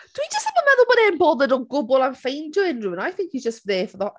Dwi jyst ddim yn meddwl bod e'n bothered o gwbl am ffeindio unrhyw un. I think he's just there for the...